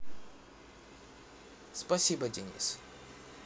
спасибо денис